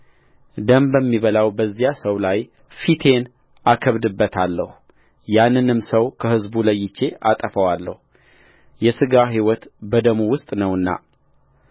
ደም በሚበላው በዚያ ሰው ላይ ፊቴን አከብድበታለሁ ያንንም ሰው ከሕዝቡ ለይቼ አጠፋዋለሁየሥጋ ሕይወት በደሙ ውስጥ ነውና